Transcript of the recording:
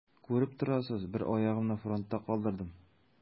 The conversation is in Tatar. Күреп торасыз: бер аягымны фронтта калдырдым.